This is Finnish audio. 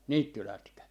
niittylätkä